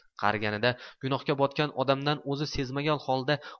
qariganida gunohga botgan odamdan o'zi sezmagan holda